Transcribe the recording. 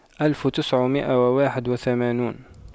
ألف وتسعمئة وواحد وثمانون